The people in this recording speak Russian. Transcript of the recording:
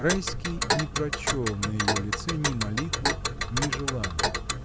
Райский не прочел на ее лице ни молитвы, ни желания.